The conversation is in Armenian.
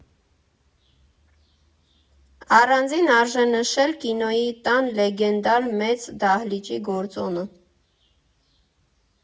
Առանձին արժե նշել Կինոյի տան լեգենդար մեծ դահլիճի գործոնը.